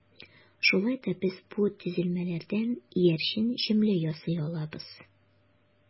Шулай да без бу төзелмәләрдән иярчен җөмлә ясый алабыз.